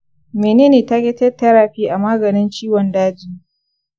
menene targeted therapy a maganin ciwon daji?